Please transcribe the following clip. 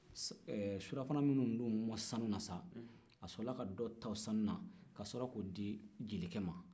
sulafana min dir'u ma sanu la sa a sɔrɔ la ka dɔ ta o sanu na ka sɔrɔ k'o di jelikɛ ma